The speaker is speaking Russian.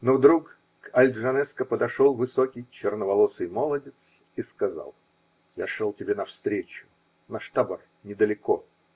но вдруг к Аль-Джанеско подошел высокий черноволосый молодец и сказал: -- Я шел тебе навстречу. Наш табор недалеко.